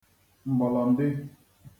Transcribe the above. m̀gbọ̀lọ̀ndị